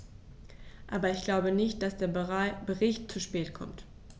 Aber ich glaube nicht, dass der Bericht zu spät kommt.